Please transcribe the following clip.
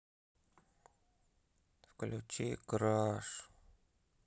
включи краш